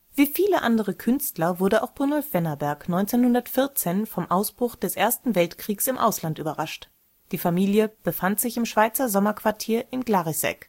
Wie viele andere Künstler wurde auch Brynolf Wennerberg 1914 vom Ausbruch des Ersten Weltkrieges im Ausland überrascht. Die Familie befand sich im Schweizer Sommerquartier in Glarisegg